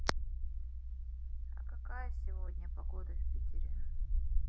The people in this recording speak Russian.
а какая сегодня погода в питере